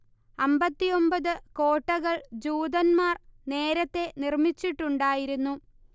അമ്പത്തി ഒമ്പത് കോട്ടകൾ ജൂതന്മാർ നേരത്തെ നിർമ്മിച്ചിട്ടുണ്ടായിരുന്നു